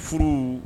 Furuu